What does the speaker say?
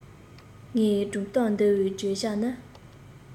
ངའི སྒྲུང གཏམ འདིའི བརྗོད བྱ ནི